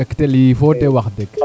ɓektel yiifo de wax deg